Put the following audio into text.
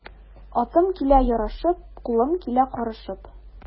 Атым килә ярашып, кулым килә карышып.